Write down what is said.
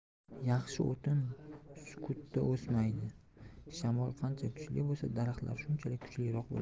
yaxshi o'tin sukutda o'smaydi shamol qancha kuchli bo'lsa daraxtlar shunchalik kuchliroq bo'ladi